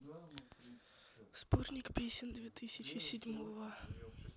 сборник песен две тысячи седьмого